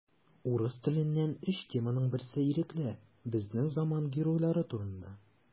Урыс теленнән өч теманың берсе ирекле: безнең заман геройлары турында.